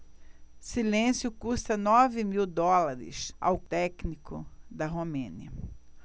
silêncio custa nove mil dólares ao técnico da romênia